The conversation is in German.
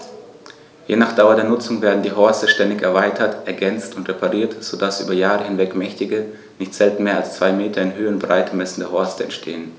Je nach Dauer der Nutzung werden die Horste ständig erweitert, ergänzt und repariert, so dass über Jahre hinweg mächtige, nicht selten mehr als zwei Meter in Höhe und Breite messende Horste entstehen.